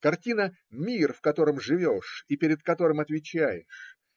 Картина - мир, в котором живешь и перед которым отвечаешь.